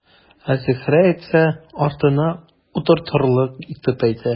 Ә Зөһрә әйтсә, артыңа утыртырлык итеп әйтә.